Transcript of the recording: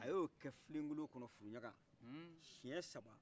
a ye o kɛ filen kolon kɔnɔ furuɲaga siɲɛ saba